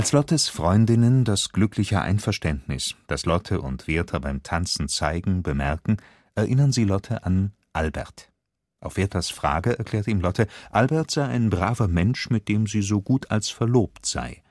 Lottes Freundinnen das glückliche Einverständnis, das Lotte und Werther beim Tanzen zeigen, bemerken, erinnern sie Lotte an „ Albert “. Auf Werthers Frage erklärt ihm Lotte, Albert sei „ ein braver Mensch, mit dem sie so gut als verlobt “sei